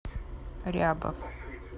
рябов